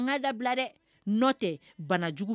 Tɛ bana jugu